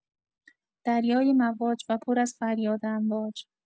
دریای مواج و پر از فریاد امواج